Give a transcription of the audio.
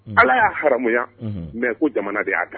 Ala y'a haya mɛ ko jamana de y'a kan